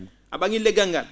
a ?a?ii le?gal ngal